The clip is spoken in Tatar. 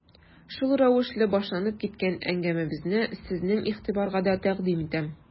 Шул рәвешле башланып киткән әңгәмәбезне сезнең игътибарга да тәкъдим итәм.